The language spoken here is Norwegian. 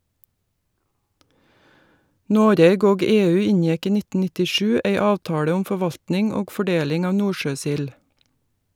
Noreg og EU inngjekk i 1997 ei avtale om forvaltning og fordeling av nordsjøsild.